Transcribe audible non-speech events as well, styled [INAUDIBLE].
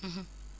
[HESITATION] [HESITATION]